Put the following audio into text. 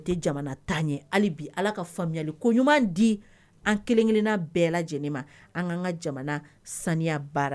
Faamuya ko ɲuman di an kelenkelen' bɛɛ lajɛlen ma an kan ka jamana sani baara